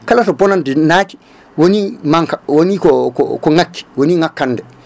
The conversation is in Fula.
kalato bonande naati woni manque woni ko ko ko ngakki woni ngakkande